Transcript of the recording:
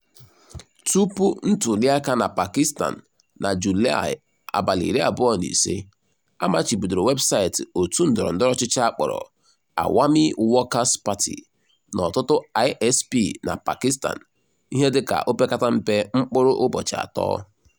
Tupu ntuliaka na Pakistan na Julaị 25, amachibidoro webụsaịtị òtù ndọrọndọrọ ọchịchị a kpọrọ Awami Workers Party n'ọtụtụ ISP na Pakistan ihe dị ka opekata mpe mkpụrụ ụbọchị atọ.